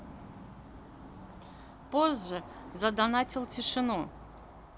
позже задонатил тишину